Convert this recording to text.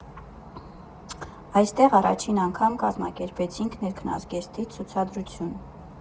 Այստեղ առաջին անգամ կազմակերպեցինք ներքնազգեստի ցուցադրություն։